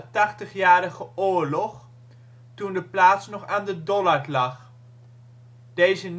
Tachtigjarige Oorlog, toen de plaats nog aan de Dollard lag. Deze